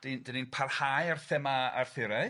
...'dan ni'n 'dan ni'n parhau â'r thema Arthuraidd.